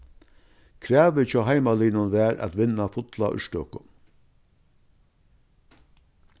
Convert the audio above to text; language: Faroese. kravið hjá heimaliðnum var at vinna fulla úrtøku